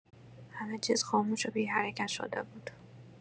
همه چیز خاموش و بی‌حرکت شده بود.